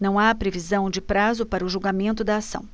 não há previsão de prazo para o julgamento da ação